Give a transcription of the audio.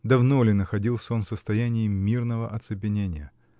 Давно ли находился он в состоянии "мирного оцепенения"?